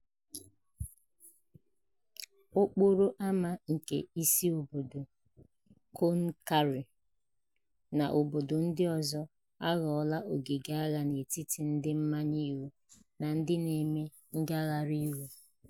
Okporo ama nke isi obodo, Conakry, na obodo ndị ọzọ aghọọla ogige agha n'etiti ndị ndị mmanye iwu na ndị na-eme ngagharị iwe.